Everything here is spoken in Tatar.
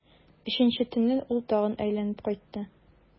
Өченче төнне ул тагын әйләнеп кайтты.